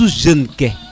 sutout jeune